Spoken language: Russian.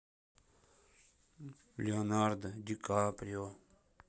леонардо дикаприо